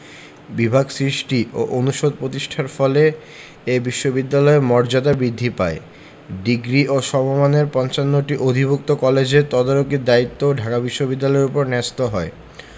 বিভাগ সৃষ্টি ও অনুষদ প্রতিষ্ঠার ফলে এ বিশ্ববিদ্যালয়ের মর্যাদা বৃদ্ধি পায় ডিগ্রি ও সমমানের ৫৫টি অধিভুক্ত কলেজের তদারকির দায়িত্বও ঢাকা বিশ্ববিদ্যালয়ের ওপর ন্যস্ত হয়